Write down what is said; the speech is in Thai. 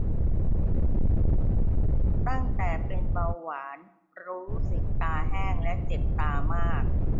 ตั้งแต่เป็นเบาหวานรู้สึกตาแห้งและเจ็บตามาก